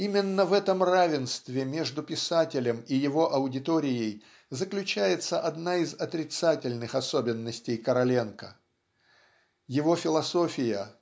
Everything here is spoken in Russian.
Именно в этом равенстве между писателем и его аудиторией заключается одна из отрицательных особенностей Короленко. Его философия